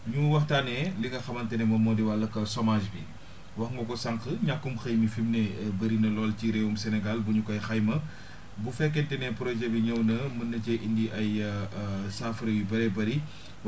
ñu waxtaanee li nga xamante ne moom moo di wàllug chomage bi wax nga ko sànq ñàkkum xëy mi fi mu ne bëri na lool ci réewum Sénégal bu ñu koy xayma bu fekkente ne projet bi ñëw na mën na cee indi ay saafara yu bëree bëri